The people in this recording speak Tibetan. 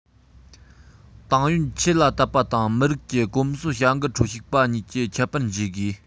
ཏང ཡོན ཆོས ལ དད པ དང མི རིགས ཀྱི གོམས སྲོལ བྱ འགུལ ཁྲོད ཞུགས པ གཉིས ཀྱི ཁྱད པར འབྱེད དགོས